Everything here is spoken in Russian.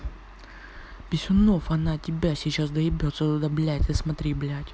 писюнов она тебя сейчас доебется туда блядь ты смотри блять